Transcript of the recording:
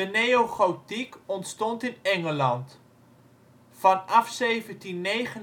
neogotiek ontstond in Engeland. Vanaf 1749